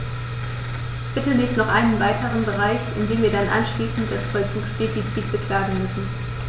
Bitte nicht noch einen weiteren Bereich, in dem wir dann anschließend das Vollzugsdefizit beklagen müssen.